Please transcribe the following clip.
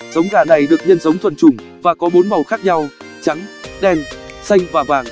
giống gà này được nhân giống thuần chủng và có bốn màu khác nhau trắng đen xanh và văng